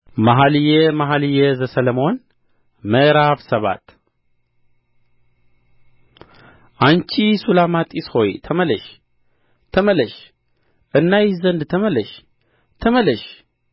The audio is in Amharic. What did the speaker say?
መኃልየ መኃልይ ዘሰሎሞን ምዕራፍ ሰባት አንቺ ሱላማጢስ ሆይ ተመለሽ ተመለሽ እናይሽ ዘንድ ተመለሽ ተመለሽ